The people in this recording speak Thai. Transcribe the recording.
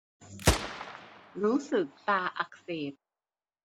รู้สึกตาอักเสบ